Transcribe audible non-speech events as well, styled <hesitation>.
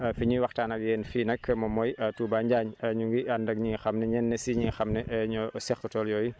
<hesitation> fi ñuy waxtaan ak yéen fii nag moom mooy Touba Njaañ ñu ngi ànd ak ñi nga xam ne ñenn si ñi nga xam ne <hesitation> ñoo seq tool yooyu